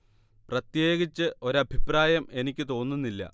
പ്രത്യേകിച്ച് ഒരു അഭിപ്രായം എനിക്ക് തോന്നുന്നില്ല